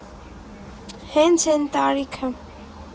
Հենց էն տարիքը։